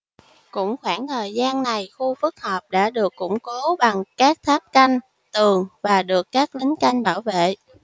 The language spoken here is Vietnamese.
cũng khoảng thời gian này khu phức hợp đã được củng cố bằng các tháp canh tường và được các lính canh bảo vệ